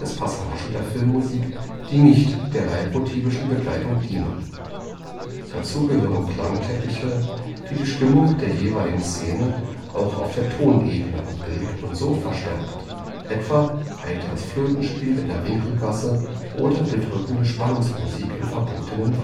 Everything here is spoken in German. Passagen der Filmmusik, die nicht der leitmotivischen Begleitung dienen. Dazu gehören Klangteppiche, die die Stimmung der jeweiligen Szene auch auf der Tonebene abbilden und so verstärken, etwa heiteres Flötenspiel in der Winkelgasse oder bedrückende Spannungsmusik im Verbotenen